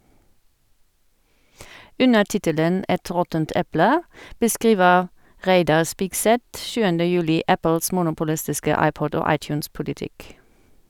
Under tittelen «Et råttent eple» beskriver Reidar Spigseth 7. juli Apples monopolistiske iPod- og iTunes-politikk.